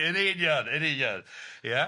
Yn union, yn union, ia.